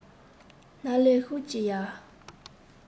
སྣ ལུད ཤུགས ཀྱིས ཡར